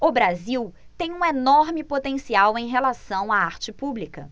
o brasil tem um enorme potencial em relação à arte pública